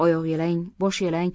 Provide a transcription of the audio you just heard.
oyoqyalang boshyalang